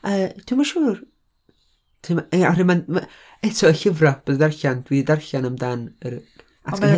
Yy, dwi'm yn siŵr, oherwydd ma, ia, eto y llyfra, bydd o'n darllen, dwi 'di darllen amdan yr atgenhedlu.